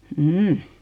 mm